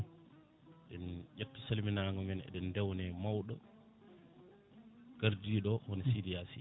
en ƴetta saminago men eɗen dewna e mawɗo gardiɗo o hono Sidy Yaya Sy